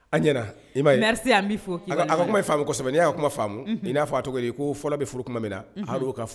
A ɲɛna . I ma ye. merci an bi fo ki wale ɲuman dɔn. A Kuma ye faamu kosɛbɛ. Ni ya ka kuman faamu Unhun i na fɔ a tɔgɔ ye di ko fɔlɔ bi furu tuma min na